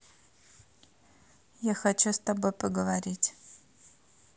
я хочу с тобой поговорить